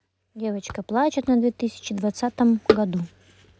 девочка плачет на две тысячи двадцатом году